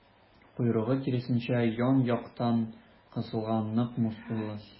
Койрыгы, киресенчә, ян-яктан кысылган, нык мускуллы.